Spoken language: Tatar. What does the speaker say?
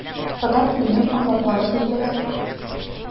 Татар теленең аңлатмалы сүзлеге.